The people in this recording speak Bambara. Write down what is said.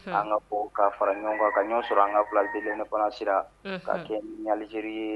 An ŋa bɔ ka fara ɲɔgɔn kan ka ɲɔgɔn sɔrɔ an ŋa place de l'indépendance la unhun ka kɛɲɛ ni Alérie